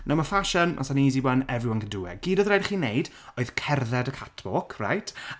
nawr ma' fashion that's an easy one, everyone can do it gyd oedd raid i chi wneud oedd cerdded y catwalk, right?